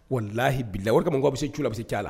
Walaahi bilaye o de kama, n'ko a bɛ se cu la, a bɛ se caaa la.